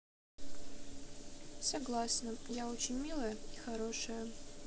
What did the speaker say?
согласна я очень милая и хорошая